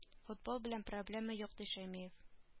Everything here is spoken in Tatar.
Футбол белән проблема юк ди шәймиев